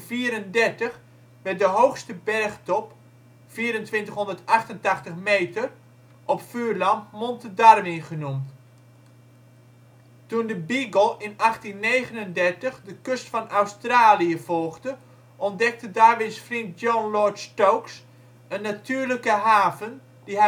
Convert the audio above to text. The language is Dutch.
1834 werd de hoogste bergtop (2488 m) op Vuurland Monte Darwin genoemd. Toen de Beagle in 1839 de kust van Australië volgde ontdekte Darwins vriend John Lort Stokes een natuurlijke haven, die